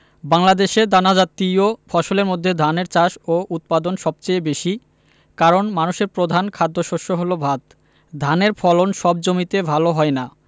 বাংলাদেশে দানাজাতীয় ফসলের মধ্যে ধানের চাষ ও উৎপাদন সবচেয়ে বেশি কারন মানুষের প্রধান খাদ্যশস্য হলো ভাত ধানের ফলন সব জমিতে ভালো হয় না